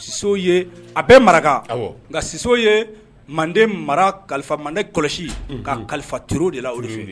Soso ye a bɛ maraka nka sosow ye manden mara kalifa manden kɔlɔsi ka kalifa turu de la o feere